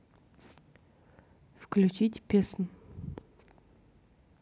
включить песн